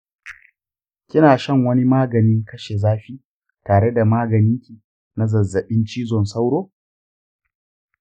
kina shan wani maganin kashe zafi tare da maganinki na zazzaɓin cizon sauro?